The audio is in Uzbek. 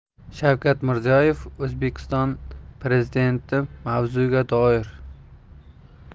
shavkat mirziyoyev o'zbekiston prezidentimavzuga doir